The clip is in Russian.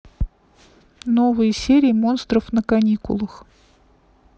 новые серии монстров на каникулах